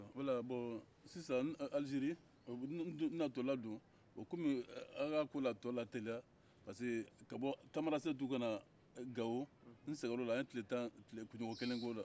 bon sisan alizeri n natɔ la don bon kɔmi aw ko ko k'a ko tɔ la teliya parce que ka bɔ tamarasɛti ka na gawo n segenna o la an ye kunɲɔgɔn kelen k'o la